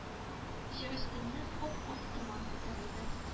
Җир өстеннән ап-ак томан күтәрелде.